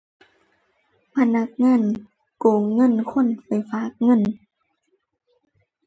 พนักงานโกงเงินคนไปฝากเงิน